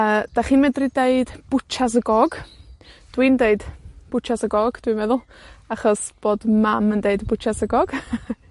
A, 'dach chi'n medru deud Bwtsias y Gog. Dwi'n deud Bwtsias y Gog. Dwi'n meddwl, achos bod mam yn deud Bwtsias y Gog.